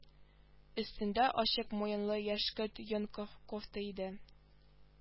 Өстендә ачык муенлы яшькелт йонка кофта иде